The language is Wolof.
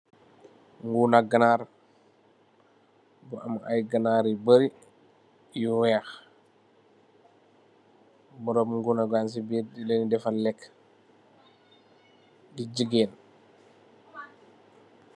Guna ganar bu am aye ganar yu bary yu weex borom guna gan se birr delen defal leke de jegain.